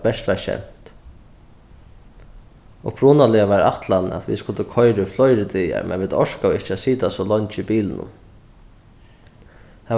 bert var skemt upprunaliga var ætlanin at vit skuldu koyra í fleiri dagar men vit orkaðu ikki at sita so leingi í bilinum